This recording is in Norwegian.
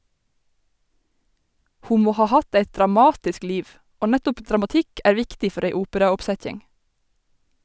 Ho må ha hatt eit dramatisk liv, og nettopp dramatikk er viktig for ei operaoppsetjing.